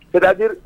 Hɛrɛdabiri